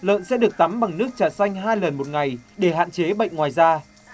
lợn sẽ được tắm bằng nước trà xanh hai lần một ngày để hạn chế bệnh ngoài da